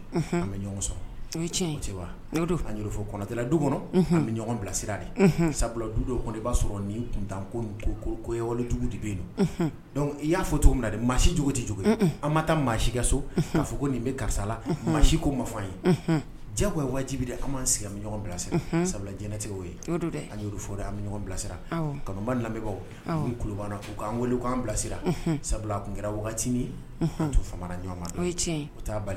Sabula b'a yen don dɔnku i y'a fɔ cogo min na maajugu tɛ cogo an ma taa maa si kɛ so'a fɔ ko nin bɛ karisala maa siko ma ye diyago ye waatijibi an sigi bilasira sabula jɛnɛ tɛ ye an fɔ an bɛ ɲɔgɔn bilasira kamalen lamɛnbagaw''an weele k'an bilasira sabula tun kɛra wagatiinin tu ɲɔgɔn taa